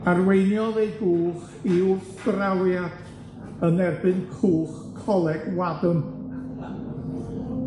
arweiniodd ei gwch i'w thrawiad yn erbyn cwch coleg Wadham